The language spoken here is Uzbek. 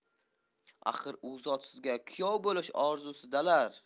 axir u zot sizga kuyov bo'lish orzusidalar